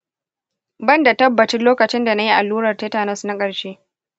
ban da tabbacin lokacin da na yi allurar tetanus na ƙarshe.